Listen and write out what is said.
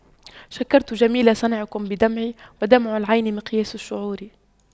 شكرت جميل صنعكم بدمعي ودمع العين مقياس الشعور